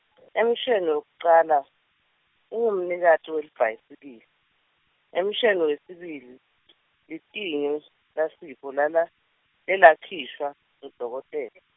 emshweni wekucala ungumnikati welibhayisikili, emshweni wesibili litinyo laSipho lala lelakhishwa ngudokode- .